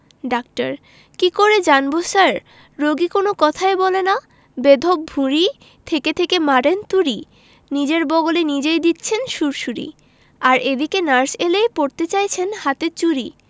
doctor কি করে জানব স্যার রোগী কোন কথাই বলে না বেঢপ ভূঁড়ি থেকে থেকে মারেন তুড়ি নিজের বগলে নিজেই দিচ্ছেন সুড়সুড়ি আর এদিকে নার্স এলেই পরতে চাইছেন হাতে চুড়ি